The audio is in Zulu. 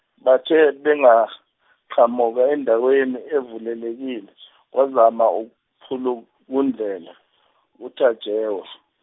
bathe bengaqhamuka endaweni evulelekile wazama ukuphulukundlela uTajewo.